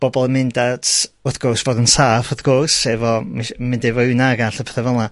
bobol y mynd at wrth gwrs bod yn saff wrth gwrs efo mill- mynd i Fywnag a 'lla petha fela,